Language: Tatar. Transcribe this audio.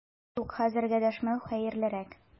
Юк, хәзергә дәшмәү хәерлерәк!